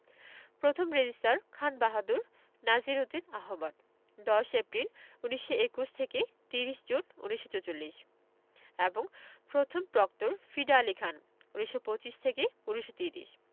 প্রথম registrar Khan Bahadur Nazir Uddin Ahmed ১০ April ১৯২১ থেকে ৩০ June ১৯৪৪ এবং প্রথম প্রক্টর ফিদা আলী খান ১৯২৫ থেকে ১৯৩০